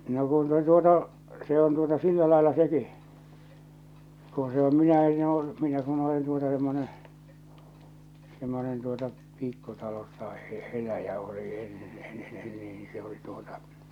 no kun se tuota se on tuota sillä lailla sekin kun se on minä en ole minä kun olen tuota semmoinen semmoinen tuota pikkutalossa - eläjä olin ennen - ennen niin se oli tuota